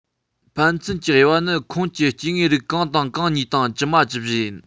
ཕན ཚུན གྱི དབྱེ བ ནི ཁོངས ཀྱི སྐྱེ དངོས རིགས གང དང གང གཉིས དང ཇི མ ཇི བཞིན ཡིན